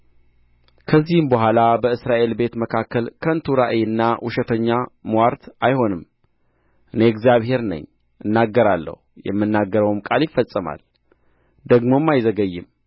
ከዚህም በኋላ በእስራኤል ቤት መካከል ከንቱ ራእይና ውሸተኛ ምዋርት አይሆንም እኔ እግዚአብሔር ነኝ እናገራለሁ የምናገረውም ቃል ይፈጸማል ደግሞም አይዘገይም